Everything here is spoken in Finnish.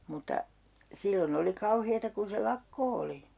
mutta silloin oli kauheaa kun se lakko oli